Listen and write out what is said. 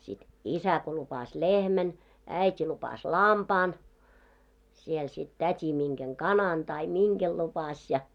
sitten isä kun lupasi lehmän äiti lupasi lampaan siellä sitten täti minkä kanan tai minkä lupasi ja